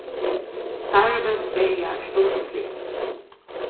starvið byrjar stundisliga